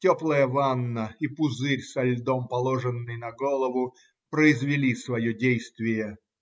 Теплая ванна и пузырь со льдом, положенный на голову, произвели свое действие.